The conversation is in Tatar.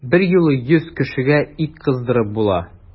Берьюлы йөз кешегә ит кыздырып була!